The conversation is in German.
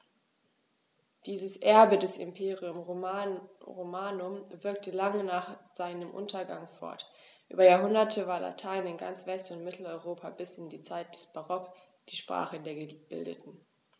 Dieses Erbe des Imperium Romanum wirkte lange nach seinem Untergang fort: Über Jahrhunderte war Latein in ganz West- und Mitteleuropa bis in die Zeit des Barock die Sprache der Gebildeten.